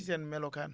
si seen melokaan